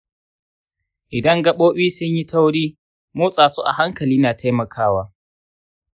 idan gaɓoɓi sun yi tauri, motsa su a hankali na taimakawa.